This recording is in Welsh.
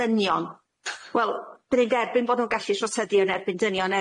dynion wel dy' ni'n derbyn bod nw'n gallu troseddu yn erbyn dynion